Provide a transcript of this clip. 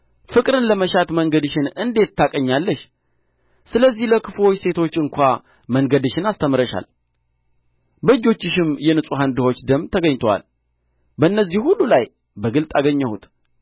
ፍቅርን ለመሻት መንገድሽን እንዴት ታቀኛለሽ ስለዚህ ለክፉዎች ሴቶች እንኳ መንገድሽን አስተምረሻል በእጆችሽም የንጹሐን ድሆች ደም ተገኝቶአል በእነዚህ ሁሉ ላይ በግልጥ አገኘሁት